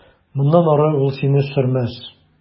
Моннан ары ул сине сөрмәс.